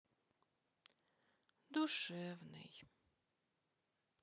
душевный